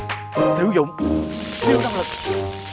sử dụng